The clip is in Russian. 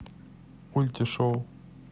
ульти шоу